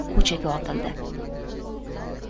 ko'chaga otildi